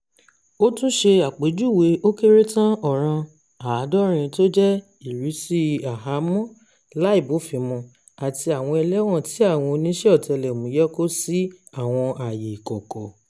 Ó tún ṣe àpéjúwe ó kéré tàn ọ̀ràn 70 tó jẹ́ "ìfisí àhámọ́ láìbófinmu", àti àwọn ẹlẹ́wọ̀n tí àwọn oníṣẹ́ ọ̀tẹlẹ̀múyẹ́ kò sí àwọn àyè ìkọ̀kọ̀.